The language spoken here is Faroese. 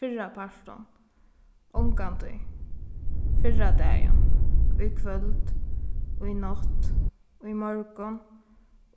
fyrrapartin ongantíð fyrradagin í kvøld í nátt í morgun